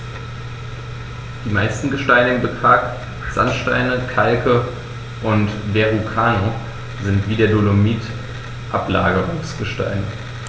Die meisten Gesteine im Park – Sandsteine, Kalke und Verrucano – sind wie der Dolomit Ablagerungsgesteine.